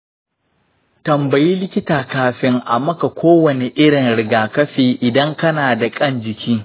tambayi likita kafin a maka kowane irin rigakafi idan kana da ƙan-jiki.